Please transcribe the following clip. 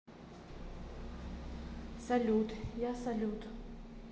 салют я салют